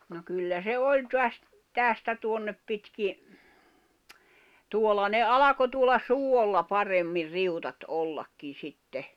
no kyllä se oli - tästä tuonne pitkin tuolla ne alkoi tuolla suolla paremmin riutat ollakin sitten